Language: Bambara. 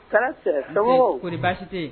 Pa sago ko baasi tɛ